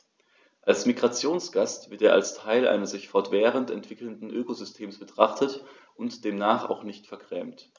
Als Migrationsgast wird er als Teil eines sich fortwährend entwickelnden Ökosystems betrachtet und demnach auch nicht vergrämt.